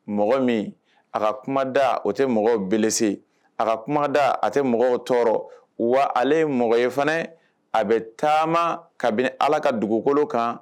Mɔgɔ min a ka kuma da o tɛ mɔgɔw bilisi a ka kuma da a tɛ mɔgɔw tɔɔrɔ wa ale mɔgɔ ye fana a bɛ taama kabini ala ka dugukolo kan